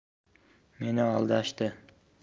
meni aldashdi